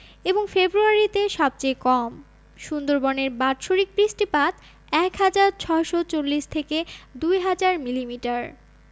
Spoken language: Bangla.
এবং ফেব্রুয়ারিতে সবচেয়ে কম সুন্দরবনের বাৎসরিক বৃষ্টিপাত ১হাজার ৬৪০ থেকে ২হাজার মিলিমিটার